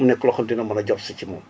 mu nekk loo xam ne dina jàpp ***